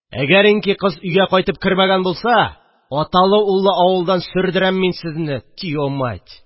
– әгәренки кыз өйгә кайтып кермәгән булса, аталы-уллы авылдан сөрдерәм мин сезне, тиомать